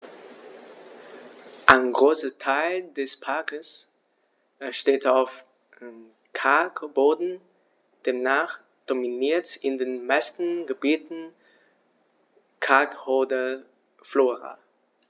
Ein Großteil des Parks steht auf Kalkboden, demnach dominiert in den meisten Gebieten kalkholde Flora.